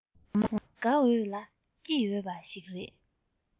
ངོ མ དགའ འོས ལ སྐྱིད འོས པ ཞིག རེད